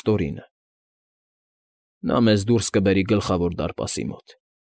Տորինը։֊ Նա մեզ դուրս կբերի Գլխավոր դարպասի մոտ։